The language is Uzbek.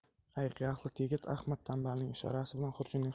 ayiqtaxlit yigit ahmad tanbalning ishorasi bilan xurjunning